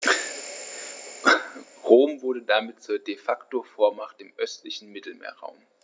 Rom wurde damit zur ‚De-Facto-Vormacht‘ im östlichen Mittelmeerraum.